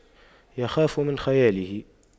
يخاف من خياله